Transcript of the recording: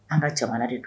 An ka jamana de don.